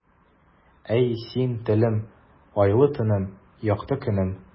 Әй, син, телем, айлы төнем, якты көнем.